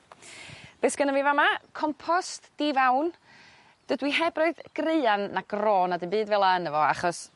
be' sgenno fi fa' 'ma compost di-fawn dydw i heb roid graean na gro na dim byd fel 'a yno fo achos